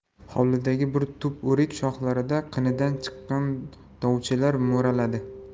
hovlidagi bir tup o'rik shoxlarida qinidan chiqqan dovuchchalar mo'raladi